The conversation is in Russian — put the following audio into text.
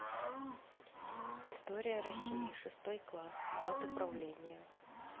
история россии шестой класс даты правления